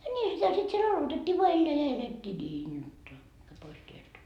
niinhän sitä sitten siellä aloitettiin vain elää ja elettiin niin jotta mene pois tieltä